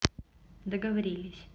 договорились